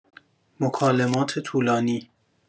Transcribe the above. مکالمات طولانی